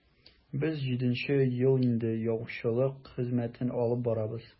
Без җиденче ел инде яучылык хезмәтен алып барабыз.